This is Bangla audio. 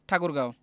ঠাকুরগাঁও